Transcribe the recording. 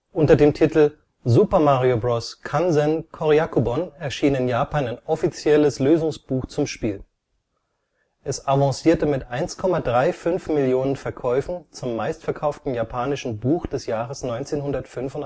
Unter dem Titel Super Mario Bros. Kanzen Koryakubon erschien in Japan ein offizielles Lösungsbuch zum Spiel. Es avancierte mit 1,35 Million Verkäufen zum meistverkauften japanischen Buch des Jahres 1985